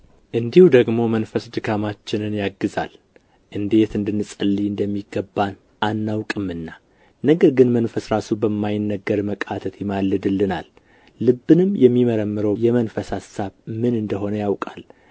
እንዲሁም ደግሞ መንፈስ ድካማችንን ያግዛል እንዴት እንድንጸልይ እንደሚገባን አናውቅምና ነገር ግን መንፈስ ራሱ በማይነገር መቃተት ይማልድልናል ልብንም የሚመረምረው የመንፈስ አሳብ ምን እንደ ሆነ ያውቃል